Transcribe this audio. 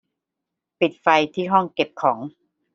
ปิดไฟที่ห้องเก็บของ